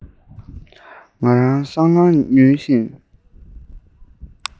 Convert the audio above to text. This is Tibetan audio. ང རང སྲང ལམ ན ཉུལ བཞིན